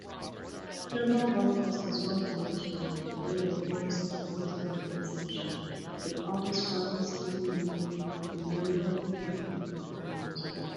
Global Voices is well positioned to follow the nuances of this complex issue with authors tracking citizen media in nearly every country of the planet.